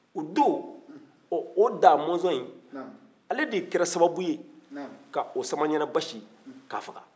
o don o da mɔzɔn in ale de kɛra sababu ye ka o samaɲana basi k'a faga